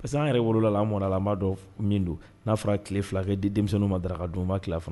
Parce que an yɛrɛ wolola la mɔn la an b'a dɔn min don n'a fɔra tile fila kɛ di denmisɛnnin ma da ka don bba tila fana